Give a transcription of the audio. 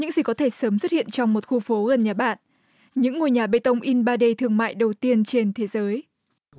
những gì có thể sớm xuất hiện trong một khu phố gần nhà bạn những ngôi nhà bê tông in ba đê thương mại đầu tiên trên thế giới